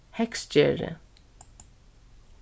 heygsgerði